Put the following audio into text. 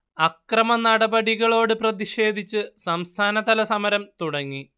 അക്രമനടപടികളോട് പ്രതിക്ഷേധിച്ച് സംസ്ഥാനതല സമരം തുടങ്ങി